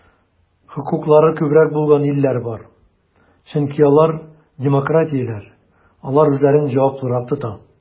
Хокуклары күбрәк булган илләр бар, чөнки алар демократияләр, алар үзләрен җаваплырак тота.